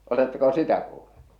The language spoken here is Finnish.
oletteko sitä kuullut